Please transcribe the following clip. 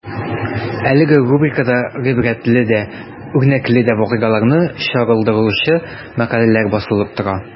Әлеге рубрикада гыйбрәтле дә, үрнәкле дә вакыйгаларны чагылдыручы мәкаләләр басылып тора.